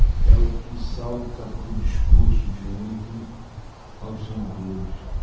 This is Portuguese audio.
é o que salta do discurso de ontem aos senadores